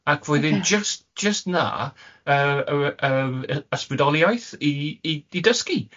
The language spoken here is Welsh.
Ac roedd e'n jyst jyst na yy yr yy ysbrydoliaeth i i i dysgu.